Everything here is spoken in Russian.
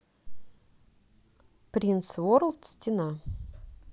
prince world стена